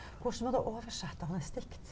hvordan var det oversette hans dikt?